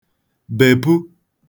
bèpu